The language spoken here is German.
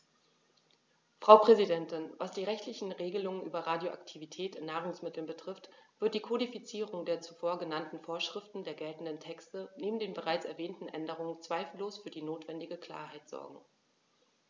Frau Präsidentin, was die rechtlichen Regelungen über Radioaktivität in Nahrungsmitteln betrifft, wird die Kodifizierung der zuvor genannten Vorschriften der geltenden Texte neben den bereits erwähnten Änderungen zweifellos für die notwendige Klarheit sorgen.